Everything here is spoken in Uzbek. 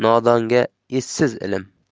nodonga essiz ilm